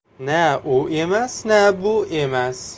na u emas na bu emas